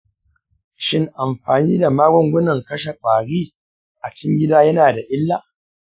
shin amfani da magungunan kashe ƙwari a cikin gida yana da illa?